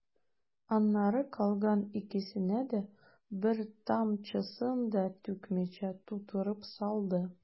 Аннары калган икесенә дә, бер тамчысын да түкмичә, тутырып салды.